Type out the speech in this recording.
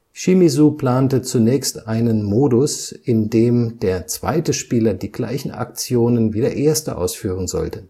Shimizu plante zunächst einen Modus, in dem der zweite Spieler die gleichen Aktionen wie der erste ausführen sollte